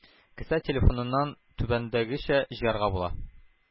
Кесә телефоныннан түбәндәгечә җыярга була: